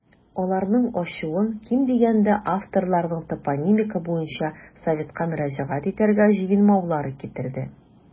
Аларның ачуын, ким дигәндә, авторларның топонимика буенча советка мөрәҗәгать итәргә җыенмаулары китерде.